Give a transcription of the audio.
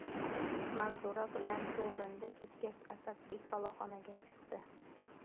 manzura bilan chuvrindi ketgach asadbek boloxonaga chiqdi